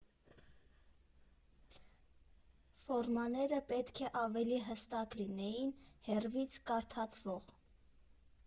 Ֆորմաները պետք է ավելի հստակ լինեին, հեռվից կարդացվող։